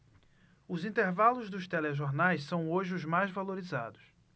os intervalos dos telejornais são hoje os mais valorizados